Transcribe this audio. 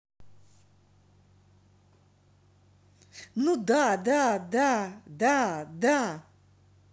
ну да да да да да